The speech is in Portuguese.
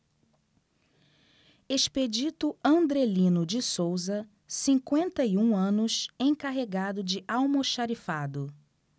expedito andrelino de souza cinquenta e um anos encarregado de almoxarifado